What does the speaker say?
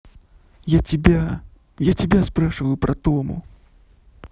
я тебя я тебя спрашиваю про тому